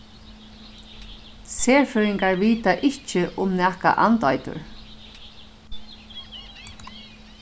serfrøðingar vita ikki um nakað andeitur